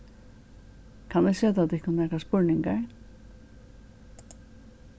kann eg seta tykkum nakrar spurningar